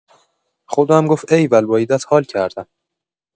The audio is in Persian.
خدا هم گفت ایول با ایده‌ات حال کردم.